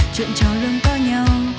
chuyện trò luôn có nhau